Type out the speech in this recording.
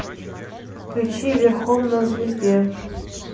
включи верхом на звезде